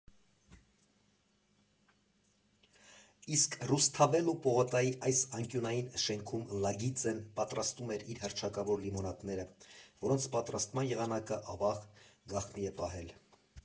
Իսկ Ռուսթավելու պողոտայի այս անկյունային շենքում Լագիձեն պատրաստում էր իր հռչակավոր լիմոնադները, որոնց պատրաստման եղանակը, ավաղ, գաղտնի է պահել։